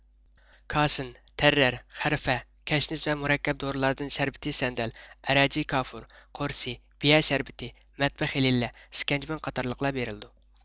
كاسىن تەررەر خەرفە كەشنىز ۋە مۇرەككەپ دورىلاردىن شەربىتى سەندەل ئەرەجى كافۇر قورسى بىيە شەربىتى مەتبىخ ھېلىلە ئىسكەنجىبىن قاتارلىقلار بېرىلىدۇ